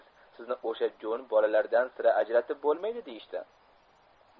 sizni o'sha jo'n bolalardan sira ajratib bo'lmaydi deyishdi